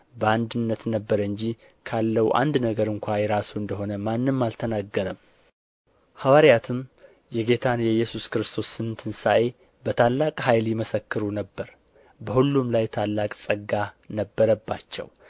በአንድነት ነበረ እንጂ ካለው አንድ ነገር ስንኳ የራሱ እንደ ሆነ ማንም አልተናገረም ሐዋርያትም የጌታን የኢየሱስ ክርስቶስን ትንሣኤ በታላቅ ኃይል ይመሰክሩ ነበር በሁሉም ላይ ታላቅ ጸጋ ነበረባቸው